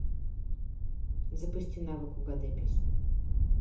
запусти навык угадай песню